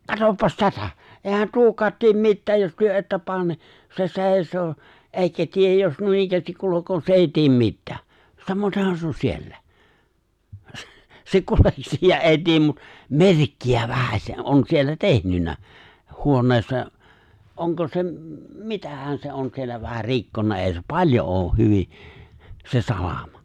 katsopas tätä eihän tuokaan tee mitään jos te ette pane niin se seisoo eikä tee jos noinikään kulkee se ei tee mitään samatenhan se on siellä - se kulkee ja ei tee mutta merkkiä vähäsen on siellä tehnyt huoneessa onko se - mitähän se on siellä vähän rikkonut ei se paljon ole hyvin se salama